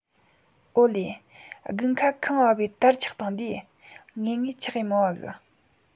ཨོ ལེ དགུན ཁ ཁངས བབས བས དར ཆགས བཏང རས ངེས ངེས འཁྱགས གས མི བ གི